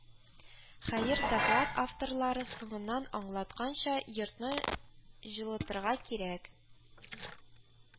Хәер, доклад авторлары соңыннан аңлатканча, йортны җылытырга кирәк